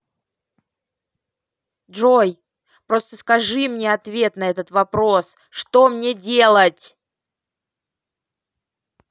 джой просто скажи мне ответ на этот вопрос что мне делать